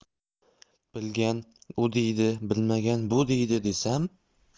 bilgan u deydi bilmagan bu deydi desam